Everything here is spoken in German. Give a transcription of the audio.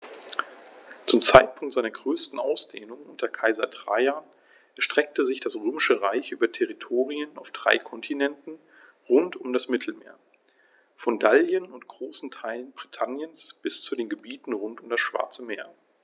Zum Zeitpunkt seiner größten Ausdehnung unter Kaiser Trajan erstreckte sich das Römische Reich über Territorien auf drei Kontinenten rund um das Mittelmeer: Von Gallien und großen Teilen Britanniens bis zu den Gebieten rund um das Schwarze Meer.